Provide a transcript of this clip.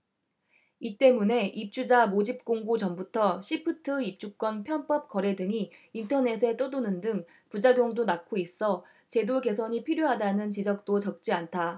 이 때문에 입주자 모집공고 전부터 시프트 입주권 편법 거래 등이 인터넷에 떠도는 등 부작용도 낳고 있어 제도 개선이 필요하다는 지적도 적지 않다